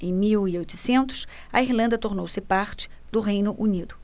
em mil e oitocentos a irlanda tornou-se parte do reino unido